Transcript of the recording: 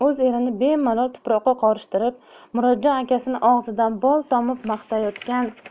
o'z erini bemalol tuproqqa qorishtirib murodjon akasini og'zidan bol tomib maqtayotgan